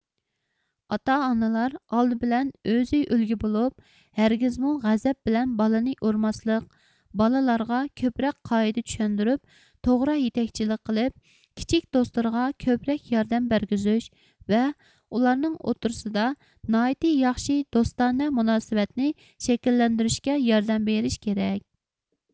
ئاتا ئانىلار ئالدى بىلەن ئۆزى ئۈلگە بولۇپ ھەرگىزمۇ غەزەب بىلەن بالىنى ئۇرماسلىق بالىلارغا كۆپرەك قائىدە چۈشەندۈرۈپ توغرا يېتەكچىلىك قىلىپ كىچىك دوستلىرىغا كۆپرەك ياردەم بەرگۈزۈش ۋە ئۇلارنىڭ ئوتتۇرىسىدا ناھايىتى ياخشى دوستانە مۇناسىۋەتنى شەكىللەندۈرۈشكە ياردەم بېرىش كېرەك